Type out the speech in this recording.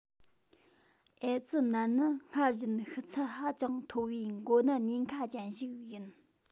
ཨེ ཙི ནད ནི སྔར བཞིན ཤི ཚད ཧ ཅང མཐོ བའི འགོ ནད ཉེན ཁ ཅན ཞིག ཡིན